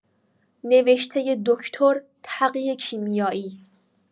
نوشتۀ دکتر تقی کیمیایی